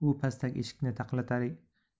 u pastak eshikni taqillatar